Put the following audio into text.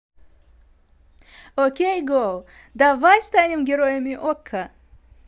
ok go давай станем героями okko